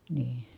niin